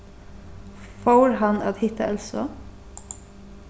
fór hann at hitta elsu